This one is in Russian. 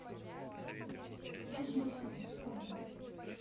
не обращайтесь ко мне помните